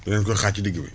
dangeen koy xaaj ci digg bi